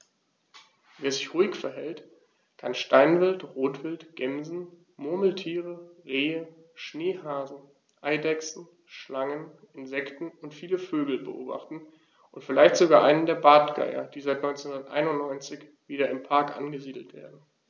Wer sich ruhig verhält, kann Steinwild, Rotwild, Gämsen, Murmeltiere, Rehe, Schneehasen, Eidechsen, Schlangen, Insekten und viele Vögel beobachten, vielleicht sogar einen der Bartgeier, die seit 1991 wieder im Park angesiedelt werden.